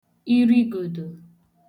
iri igòdò